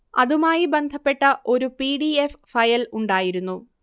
അതുമായി ബന്ധപ്പെട്ട ഒരു പി ഡി എഫ് ഫയൽ ഉണ്ടായിരുന്നു